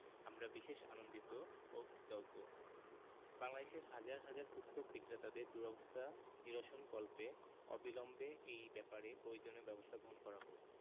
আমরা বিশেষ আনন্দিত ও কৃতজ্ঞ বাংলাদেশের হাজার হাজার পুস্তক বিক্রেতাদের দুরবস্থা নিরসনকল্পে অবিলম্বে এই ব্যাপারে প্রয়োজনীয় ব্যাবস্থা গ্রহণ করা হোক